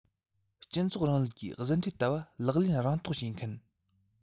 སྤྱི ཚོགས རིང ལུགས ཀྱི གཟི ཁྲེལ ལྟ བ ལག ལེན རང རྟོགས བྱེད མཁན